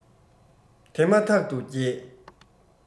དེ མ ཐག ཏུ རྒྱས